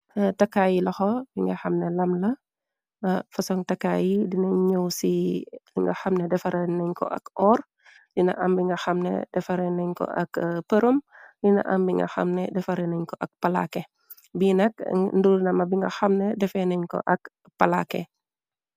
Takaay yi laxo bi nga xamne am na fasong takaa yi dina ñëw, ci nga xamne defare nañ ko ak oor dina ambi nga xamne defare nañ ko ak përëm dina ambi nga xamne defare nañ ko ak palaake biinak ndur nama bi nga xamne defee nañ ko ak palaake.